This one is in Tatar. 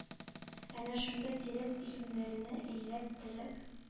Әнә шундый тирес өемнәренә әйләндереп,